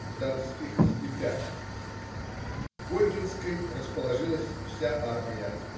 В донских степях В Ольгинской расположилась вся армия.